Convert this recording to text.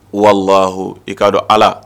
Walahu i ka dɔn Ala.